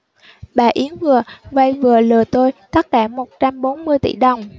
bà yến vừa vay vừa lừa tôi tất cả một trăm bốn mươi tỷ đồng